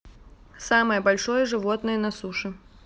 самое большое животное на суше